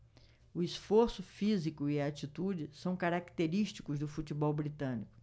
o esforço físico e a atitude são característicos do futebol britânico